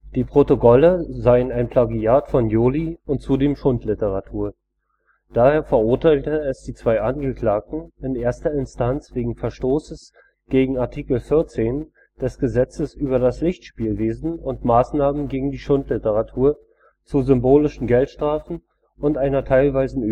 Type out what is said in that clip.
Die Protokolle seien ein Plagiat von Joly und zudem Schundliteratur. Daher verurteilte es zwei der Angeklagten in erster Instanz wegen Verstoßes gegen Artikel 14 des Gesetzes über das Lichtspielwesen und Massnahmen gegen die Schundliteratur zu symbolischen Geldstrafen und einer teilweisen